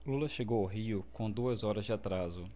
lula chegou ao rio com duas horas de atraso